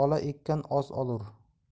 ola ekkan oz olur